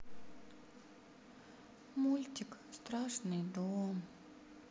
мультик страшный дом